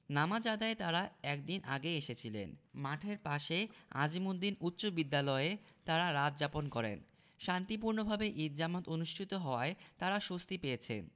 নামাজ আদায়ে তাঁরা এক দিন আগেই এসেছিলেন মাঠের পাশে আজিমুদ্দিন উচ্চবিদ্যালয়ে তাঁরা রাত যাপন করেন শান্তিপূর্ণভাবে ঈদ জামাত অনুষ্ঠিত হওয়ায় তাঁরা স্বস্তি পেয়েছেন